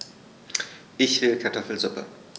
Ich will Kartoffelsuppe.